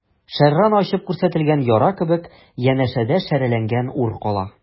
Шәрран ачып күрсәтелгән яра кебек, янәшәдә шәрәләнгән ур кала.